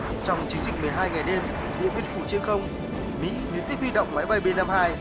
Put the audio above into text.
trong chiến dịch mười hai ngày đêm điện biên phủ trên không mỹ liên tiếp huy động máy bay bê năm hai